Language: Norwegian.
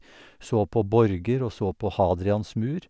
Så på borger og så på Hadrians mur.